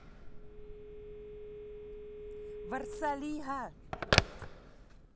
ворса лига